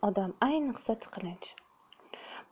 odam ayniqsa tiqilinch